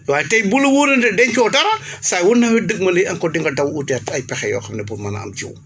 waaye tey bu la wóoree ne dencee dara saa yu nawet dëgmalee encore di nga daw utiwaat ay pexe yoo xam ne pour mën a am jiw